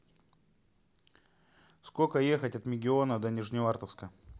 сколько ехать от мегиона до нижневартовска